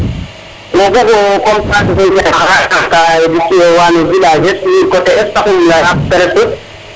wo bugu coté es sax taxu um leya presque